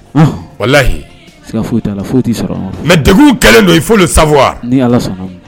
Unhun, walayi, siga foyi t'a la foyi t'u sɔrɔ, mais degun in kɛlen don il faut le savoir ni Ala sɔnn'a ma